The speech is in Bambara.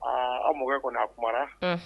Aa an mɔkɛ kɔni a kuma na